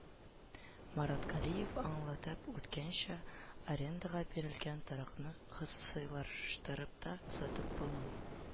Марат Галиев аңлатып үткәнчә, арендага бирелгән торакны хосусыйлаштырып та, сатып булмый